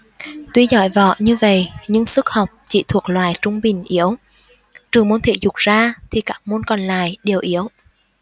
tuy giỏi võ như vậy nhưng sức học chỉ thuộc loại trung bình yếu trừ môn thể dục ra thì các môn còn lại đều yếu